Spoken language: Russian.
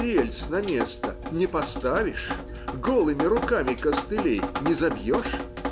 Рельса на место не поставишь; голыми руками костылей не забьешь.